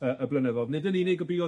y y blynyddo'dd, nid yn unig y buodd...